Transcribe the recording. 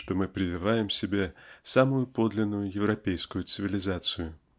что мы прививаем себе самую "подлинную европейскую цивилизацию.